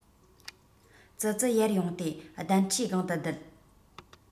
ཙི ཙི ཡར ཡོང སྟེ གདན ཁྲིའི སྒང དུ བསྡད